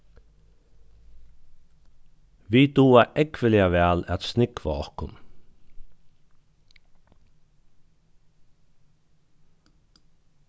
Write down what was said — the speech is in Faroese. vit duga ógvuliga væl at snúgva okkum